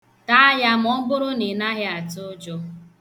Taa ya ma ọbụrụ na ị naghị atụ ụjọ.